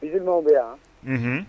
Izw bɛ yan